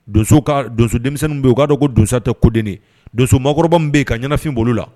Donso ka donso denmisɛnnin bɛ yen u b'a dɔn ko donsosa tɛ kodeni donso makɔrɔba bɛ yen ka ɲɛnafin bolo la